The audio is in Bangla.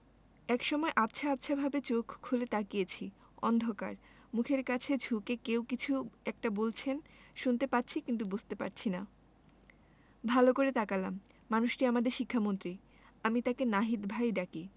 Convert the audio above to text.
একসময় আবছা আবছাভাবে চোখ খুলে তাকিয়েছি অন্ধকার মুখের কাছে ঝুঁকে কেউ কিছু একটা বলছেন শুনতে পাচ্ছি কিন্তু বুঝতে পারছি না ভালো করে তাকালাম মানুষটি আমাদের শিক্ষামন্ত্রী আমি তাকে নাহিদ ভাই ডাকি